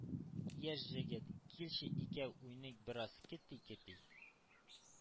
Яшь Җегет! Килче икәү уйныйк бераз кети-кети.